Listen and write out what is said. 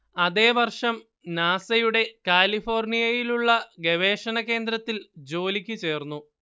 അതേ വർഷം നാസയുടെ കാലിഫോർണിയയിലുള്ള ഗവേഷണ കേന്ദ്രത്തിൽ ജോലിക്കു ചേർന്നു